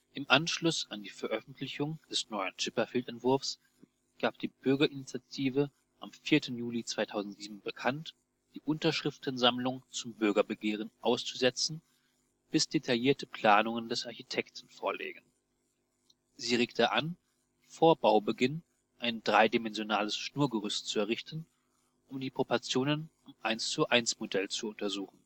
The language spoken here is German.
Im Anschluss an die Veröffentlichung des neuen Chipperfield-Entwurfs gab die Bürgerinitiative am 4. Juli 2007 bekannt, die Unterschriftensammlung zum Bürgerbegehren auszusetzen, bis detaillierte Planungen des Architekten vorlägen. Sie regte an, vor Baubeginn ein dreidimensionales Schnurgerüst zu errichten, um die Proportionen am 1:1-Modell zu untersuchen